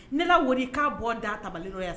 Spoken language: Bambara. Ne la wari k' bɔ da tabali n nɔgɔya yan